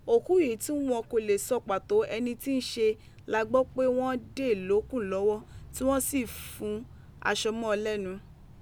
Oku yi ti wọn ko le sọ pato ẹni tii ṣe la gbọ pe wọn de lokun lọwọ ti wọn si fun aṣọ mọ lẹnu.